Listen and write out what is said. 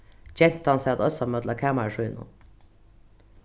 gentan sat einsamøll á kamari sínum